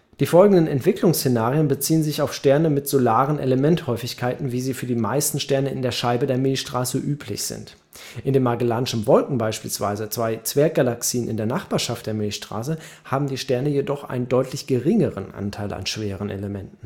Die folgenden Entwicklungsszenarien beziehen sich auf Sterne mit solaren Elementhäufigkeiten, wie sie für die meisten Sterne in der Scheibe der Milchstraße üblich sind. In den magellanschen Wolken beispielsweise, zwei Zwerggalaxien in der Nachbarschaft der Milchstraße, haben die Sterne jedoch einen deutlich geringeren Anteil an schweren Elementen